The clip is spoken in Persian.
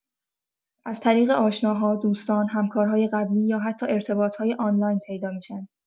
از طریق آشناها، دوستان، همکارهای قبلی یا حتی ارتباط‌های آنلاین پیدا می‌شن.